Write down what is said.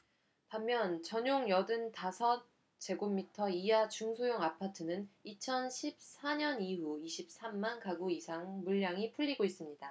반면 전용 여든 다섯 제곱미터 이하 중소형 아파트는 이천 십 사 년 이후 이십 삼 만 가구 이상 물량이 풀리고 있습니다